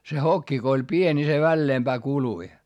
se hokki kun oli pieni niin se väleempään kului